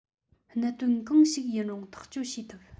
གནད དོན གང ཞིག ཡིན རུང ཐག གཅོད བྱེད ཐུབ